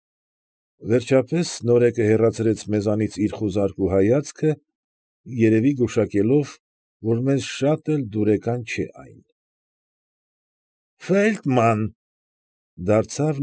Վերջապես նորեկը հեռացրեց մեզանից իր խուզարկու հայացքը, երևի գուշակելով, որ մեզ շատ էլ դուրեկան չէ այն։ ֊ Ֆեյլդման,֊ դարձավ։